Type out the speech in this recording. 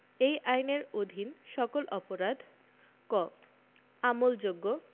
এই আইনের অধীন সকল অপরাধ ক আমলযোগ্য